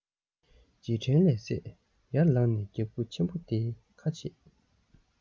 རྗེས དྲན ལས སད ཡར ལངས ནས རྒྱབ ཁུག ཆེན པོ དེའི ཁ ཕྱེས